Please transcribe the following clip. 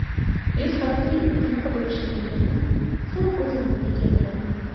yuz qavatli uy qanaqa bo'lishini o'ylaymanu sira ko'z o'ngimga keltirolmayman